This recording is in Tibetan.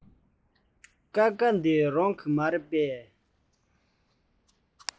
དཀར པོ འདི རང གི མ རེད པས